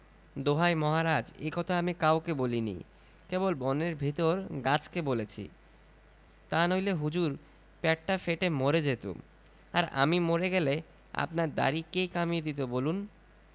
দোহাই মহারাজ এ কথা আমি কাউকে বলিনি কেবল বনের ভিতর গাছকে বলেছি তানইলে হুজুর পেটটা ফেটে মরে যেতুম আর আমি মরে গেলে আপনার দাড়ি কে কমিয়ে দিত বলুন